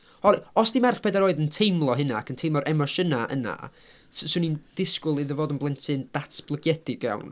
Oherwydd os ydy merch pedair oed yn teimlo hynna ac yn teimlo'r emosiynau yna s- 'swn i'n disgwyl iddo fod yn blentyn datblygedig iawn.